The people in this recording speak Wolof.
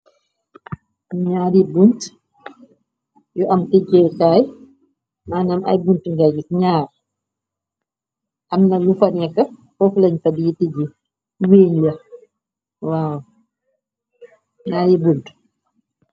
Naari bunt yu am tijjekaay, manam ay bunt ngay giss naari , amna lu fa neka fofu lañ fa bi tijji wiiñ yawaw ñaaryi bunt.